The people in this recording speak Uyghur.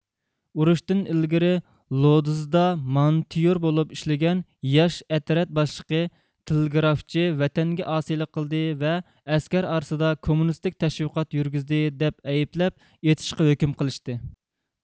ئۇرۇشتىن ئىلگىرى لودزدا مانتيور بولۇپ ئىشلىگەن ياش ئەترەت باشلىقى تېلېگرافچى ۋەتەنگە ئاسىيلىق قىلدى ۋە ئەسكەرلەر ئارىسىدا كوممۇنىستىك تەشۋىقات يۈرگۈزدى دەپ ئەيىبلەپ ئېتىشقا ھۆكۈم قىلىشتى